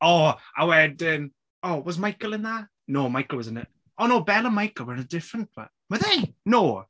O a wedyn... Oh was Michael in that? No Michael was in a... oh no Belle and Michael were in a different one. Were they? No.